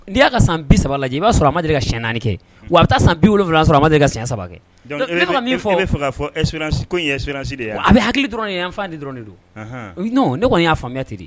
N'i'a ka san bi saba i b'a sɔrɔ a ma deli ka siyɛn naaniani kɛ wa a bɛ taa san bi wolo wolonwula sɔrɔ a ma deli ka siyɛn saba kɛ min fɔ bɛ de a bɛ hakili dɔrɔn ye anfan dɔrɔn don ne kɔni y'a faamuyamutiri ye